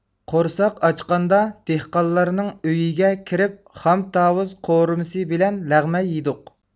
قورساق ئاچقاندا دېھقانلارنىڭ ئۆيىگە كىرىپ خام تاۋۇز قورۇمىسى بىلەن لەغمەن يېدۇق